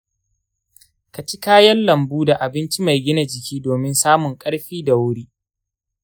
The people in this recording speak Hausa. ka ci kayan lambu da abinci mai gina jiki domin samun ƙarfi da wuri.